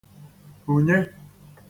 hùnye